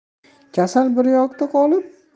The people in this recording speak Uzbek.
kasal bir yoqda qolib